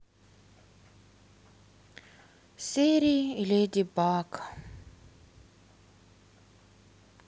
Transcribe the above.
серии леди баг